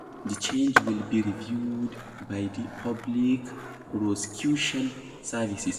The charges will be reviewed by the Public Prosecution Service.